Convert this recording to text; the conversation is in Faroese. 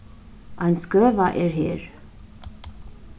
ein skøva er her